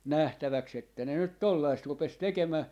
nähtäväksi että ne nyt tuollaista rupesi tekemään